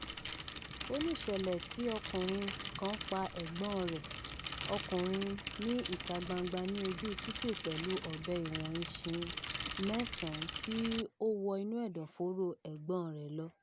Ó ní ìṣẹ̀lẹ̀ tí ọkùnrin kan pa ẹ̀gbọ́n-ọn rẹ̀ ọkùnrin ní ìta gbangba ní ojúu títì pẹ̀lú ọbẹ̀ ìwọ̀n ínṣì mẹ́sàn-án tí ó wọ inú ẹ̀dọ̀ fóró ẹ̀gbọ́n-ọn rẹ̀ lọ.